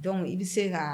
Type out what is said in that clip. Dɔnc i bɛ se ka